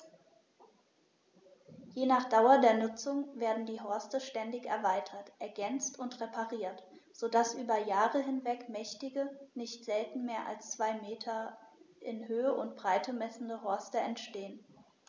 Je nach Dauer der Nutzung werden die Horste ständig erweitert, ergänzt und repariert, so dass über Jahre hinweg mächtige, nicht selten mehr als zwei Meter in Höhe und Breite messende Horste entstehen.